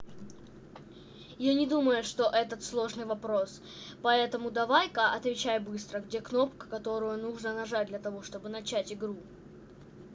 я не думаю что это сложный вопрос поэтому давай ка отвечай быстро где кнопка есть которую нужно нажать для того чтобы начать игру